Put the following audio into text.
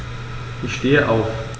Ich stehe auf.